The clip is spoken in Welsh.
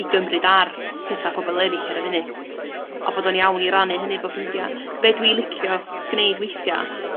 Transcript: i gymryd ar petha pobpl eryll ar y funud. A bod o'n iawn i rannu hynny efo ffrindia. be dwi licio gneud weithia'